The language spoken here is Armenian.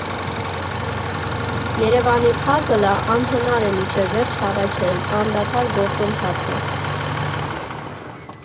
Երևանի փազլը, անհնար է մինչև վերջ հավաքել՝ անդադար գործընթաց է։